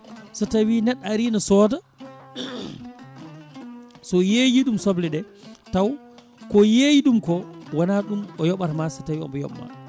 so tawi neɗɗo ari ne sooda so yeeyi ɗum sobleɗe taw ko yeeyi ɗum ko wona ɗum o yooɓatma so tawi omo yoobma